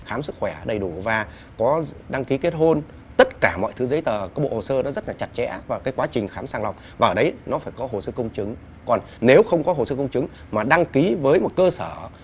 khám sức khỏe đầy đủ và có đăng ký kết hôn tất cả mọi thứ giấy tờ có bộ hồ sơ nó rất là chặt chẽ và cái quá trình khám sàng lọc vào ở đấy nó phải có hồ sơ công chứng còn nếu không có hồ sơ công chứng mà đăng ký với một cơ sở